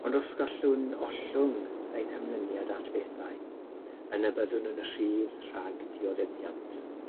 Ond os gallwn ollwng ein hymlyniad at bethau yna byddwn yn rhydd rhag dioddefiant.